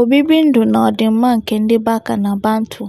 Obibindụ na ọdịmma nke ndị Baka na Bantu